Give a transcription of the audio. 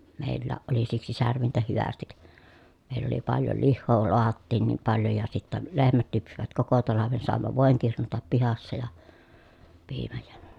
meilläkin oli siksi särvintä hyvästi meillä oli paljon lihaa lahdattiin niin paljon ja sitten lehmät lypsivät koko talven saimme voin kirnuta pihassa ja piimän ja